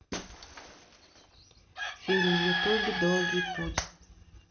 фильм в ютубе долгий путь